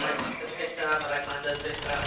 Rhai plant ddim yn byta, ma' rhai plant yn byta.